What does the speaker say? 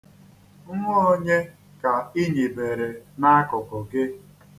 Nnwa onye ka i nyibere n'akụkụ gị?